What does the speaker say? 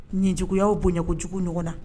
Ɲjuguya bonyaɲɛjugu ɲɔgɔn na